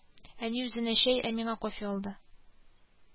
Әни үзенә чәй ә миңа кофе алды